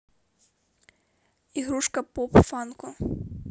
игрушка поп фанко